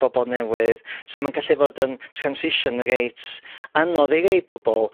bobol newydd so ma'n gallu fod yn transition reit anodd i rei pobol.